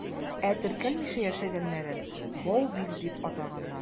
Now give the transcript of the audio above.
Ә теркәлмичә яшәгәннәрен «баубил» дип атаганнар.